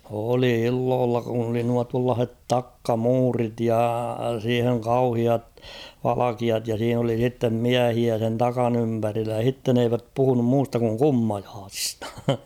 oli illoilla kun oli nuo tuollaiset takkamuurit ja siihen kauheat valkeat ja siinä oli sitten miehiä sen takan ympärillä ja sitten eivät puhunut muusta kuin kummajaisista